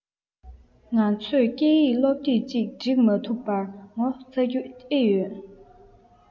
ང ཚོས སྐད ཡིག སློབ དེབ ཅིག སྒྲིག མ ཐུབ པར ངོ ཚ རྒྱུ ཨེ ཡོད